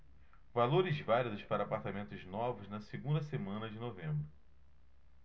valores válidos para apartamentos novos na segunda semana de novembro